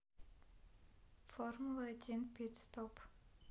формула один пит стоп